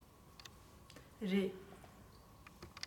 རེད